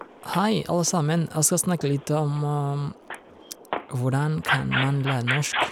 Hei, alle sammen, jeg skal snakke litt om hvordan kan man lære norsk.